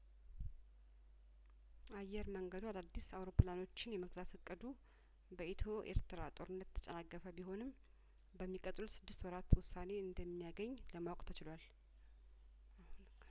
አየር መንገዱ አዳዲስ አውሮፕላኖችን የመግዛት እቅዱ በኢትዮ ኤርትራ ጦርነት የተጨናገፈ ቢሆንም በሚቀጥሉት ስድስት ወራት ውሳኔ እንደሚያገኝ ለማወቅ ተችሏል